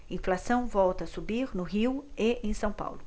inflação volta a subir no rio e em são paulo